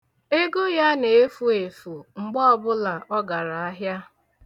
Ego ya na-efu efu mgbe ọbụla ọ gara ahịa.